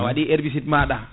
a waɗi herbicide maɗa